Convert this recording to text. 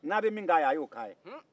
n'aw bɛ min k'a ye aw y'o k'a ye